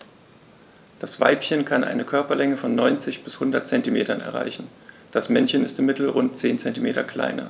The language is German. Das Weibchen kann eine Körperlänge von 90-100 cm erreichen; das Männchen ist im Mittel rund 10 cm kleiner.